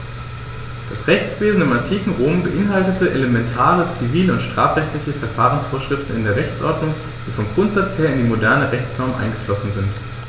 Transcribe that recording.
Das Rechtswesen im antiken Rom beinhaltete elementare zivil- und strafrechtliche Verfahrensvorschriften in der Rechtsordnung, die vom Grundsatz her in die modernen Rechtsnormen eingeflossen sind.